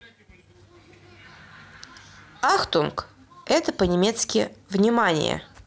achtung это по немецки внимание